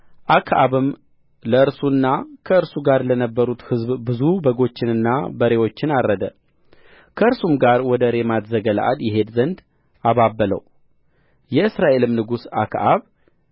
አክዓብም ለእርሱና ከእርሱ ጋር ለነበሩት ሕዝብ ብዙ በጎችንና በሬዎችን አረደ ከእርሱም ጋር ወደ ሬማት ዘገለዓድ ይሄድ ዘንድ አባበለው የእስራኤልም ንጉሥ አክዓብ